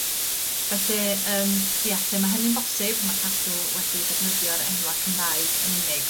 Felly yym ia lle ma' hynny'n bosib, ma' Cadw wedi defnyddio'r enwa' Cymraeg yn unig.